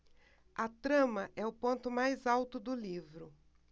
a trama é o ponto mais alto do livro